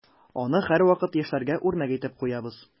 Аны һәрвакыт яшьләргә үрнәк итеп куябыз.